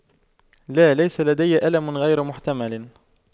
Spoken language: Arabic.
لا ليس لدي ألم غير محتمل